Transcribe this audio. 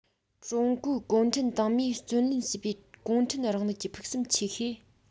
ཀྲུང གོའི གུང ཁྲན ཏང མིས བརྩོན ལེན བྱེད པའི གུང ཁྲན རིང ལུགས ཀྱི ཕུགས བསམ ཆེ ཤོས